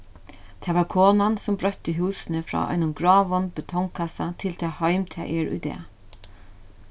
tað var konan sum broytti húsini frá einum gráum betongkassa til tað heim tað er í dag